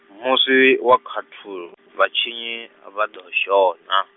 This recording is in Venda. musi, wa khaṱhul- , vhatshinyi, vha ḓo shona.